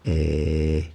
ei